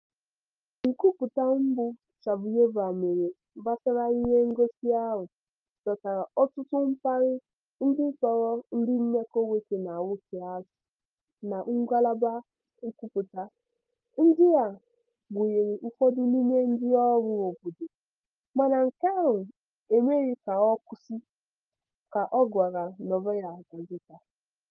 Nkwupụta mbụ Shabuyeva mere gbasara ihe ngosi ahụ dọtara ọtụtụ mkparị ndị kpọrọ ndị mmekọ nwoke na nwoke asị na ngalaba nkwupụta, ndị a, gụnyere ụfọdụ n'ime ndịọrụ obodo, mana nke ahụ emeghị ka ọ kwụsị, ka ọ gwara Novaya Gazeta.